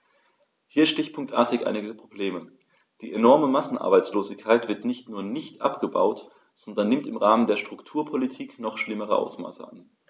Hier stichpunktartig einige Probleme: Die enorme Massenarbeitslosigkeit wird nicht nur nicht abgebaut, sondern nimmt im Rahmen der Strukturpolitik noch schlimmere Ausmaße an.